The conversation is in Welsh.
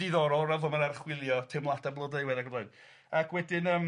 ddiddorol o ran ffor ma'n archwilio teimlada Blodeuwedd ac yn blaen ac wedyn yym